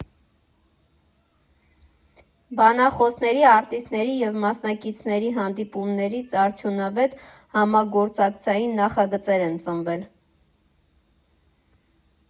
Բանախոսների, արտիստների և մասնակիցների հանդիպումներից արդյունավետ համագործակցային նախագծեր են ծնվել։